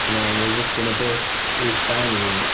Na, ma' jyst yn y bit uwchben.